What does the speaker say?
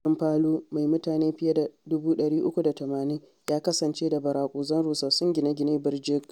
Birnin Palu, mai mutane fiye da 380,000, ya kasance da ɓaraƙuzan rusassun gine-gine birjit.